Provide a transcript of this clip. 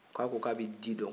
ko a ko a bɛ di dɔn